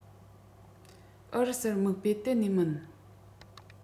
ཨུ རུ སུར དམིགས པའི གཏན ནས མིན